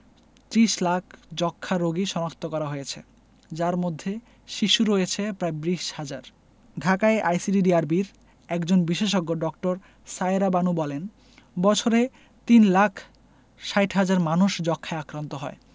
৩০ লাখ যক্ষ্মা রোগী শনাক্ত করা হয়েছে যার মধ্যে শিশু রয়েছে প্রায় ২০ হাজার ঢাকায় আইসিডিডিআরবির একজন বিশেষজ্ঞ ড. সায়েরা বানু বলেন বছরে তিন লাখ ৬০ হাজার মানুষ যক্ষ্মায় আক্রান্ত হয়